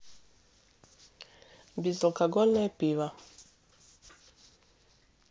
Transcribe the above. безалкогольное пиво